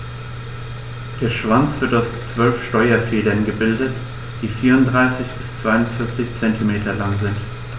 Der Schwanz wird aus 12 Steuerfedern gebildet, die 34 bis 42 cm lang sind.